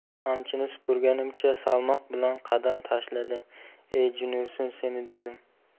qamchini sudraganimcha salmoq bilan qadam tashladim e jin ursin seni dedim